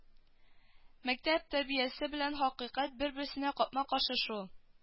Мәктәп тәрбиясе белән хакыйкать бер-берсенә капмакаршы шул